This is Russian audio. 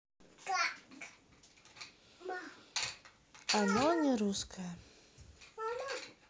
оно не русское